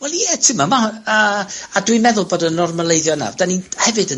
Wel ie t'mod, ma' yy, a dwi'n meddwl bod y normaleiddo 'na, 'dyn ni'n hefyd yn